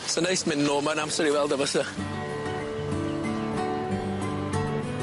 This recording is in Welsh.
Sa'n neis myn' nôl mewn amser i weld o fyse?